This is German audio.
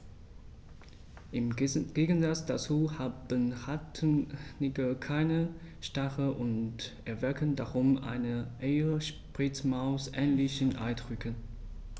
Im Gegensatz dazu haben Rattenigel keine Stacheln und erwecken darum einen eher Spitzmaus-ähnlichen Eindruck.